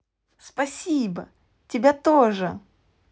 спасибо тебя тоже